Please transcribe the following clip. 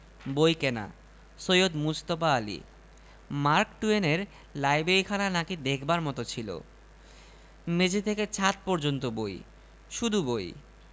সেদিন তাই নিয়ে শোকপ্রকাশ করাতে আমার জনৈক বন্ধু একটি গল্প বললেন এক ড্রইংরুম বিহারীণী গিয়েছেন বাজারে স্বামীর জন্মদিনের জন্য সওগাত কিনতে